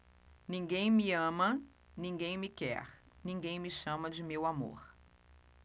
ninguém me ama ninguém me quer ninguém me chama de meu amor